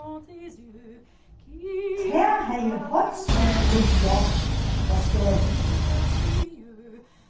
tað hevði heilt sikkurt hjálpt uppá støðuna